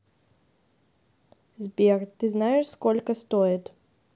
сбер ты знаешь сколько стоит